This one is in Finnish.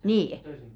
niin